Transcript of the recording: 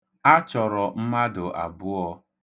A chọrọ mmadụ abụọ.